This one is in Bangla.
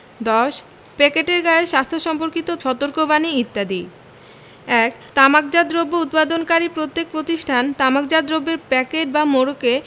১০ প্যাকেটের গায়ে স্বাস্থ্য সম্পর্কিত সতর্কবাণী ইত্যাদিঃ ১ তামাকজাত দ্রব্য উৎপাদনকারী প্রত্যক প্রতিষ্ঠান তামাকজাত দ্রব্যের প্যাকেট বা মোড়কে